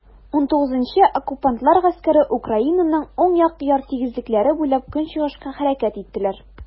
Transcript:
XIX Оккупантлар гаскәре Украинаның уң як яр тигезлекләре буйлап көнчыгышка хәрәкәт иттеләр.